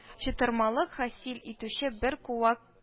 Чытырмалык хасил итүче бер куак